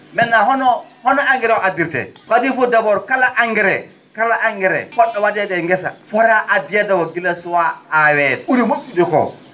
maintenant hono hono engrais o addirtee ko adii fof d' abord kala engrais kala engrais po??o wa?eede e ngesa fotaa addeede ko gila suwaaka aaweede ?uri mo??ude ko